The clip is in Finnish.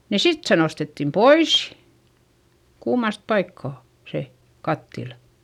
niin sitten se nostettiin pois kuumasta paikkaa se kattila